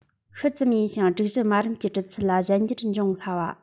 ཤུལ ཙམ ཡིན ཞིང སྒྲིག གཞི དམའ རིམ གྱི གྲུབ ཚུལ ལ གཞན འགྱུར འབྱུང སླ བ